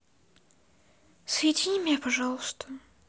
соедини меня пожалуйста